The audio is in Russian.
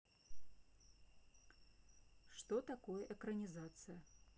что такое экранизация